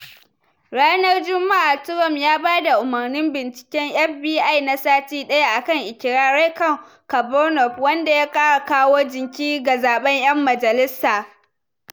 Ranar Juma’a, Trump ya bada umarnin binciken FBI na sati daya, akan ikirarai kan Kavanaugh, wanda ya kara kawo jinkiri ga zaben Yan Majalisa.